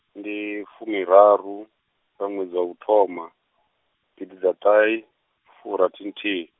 ndi fumiraru, dza ṅwedzi wa uthoma, gidiḓaṱahefurathinthihi.